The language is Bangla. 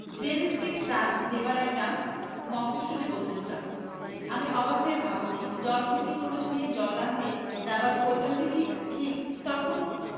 রিয়েলিস্টিক টাচ্ দেবার একটা মফস্বলী প্রচেষ্টা আমি অবাক হয়ে ভাবছি জল ভর্তি কলস নিয়ে জল আনতে যাবার প্রয়ােজনটি কি ঠিক তখন